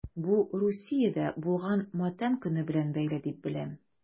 Бу Русиядә булган матәм көне белән бәйле дип беләм...